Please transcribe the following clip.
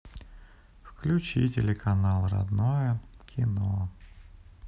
включи телеканал родное кино